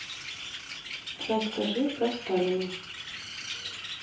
расскажи про сталина